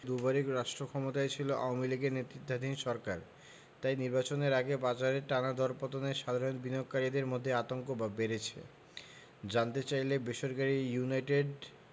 দুবারই রাষ্ট্রক্ষমতায় ছিল আওয়ামী লীগের নেতৃত্বাধীন সরকার তাই নির্বাচনের আগে বাজারের টানা দরপতনে সাধারণ বিনিয়োগকারীদের মধ্যে আতঙ্ক বেড়েছে জানতে চাইলে বেসরকারি ইউনাইটেড